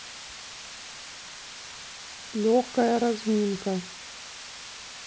легкая разминка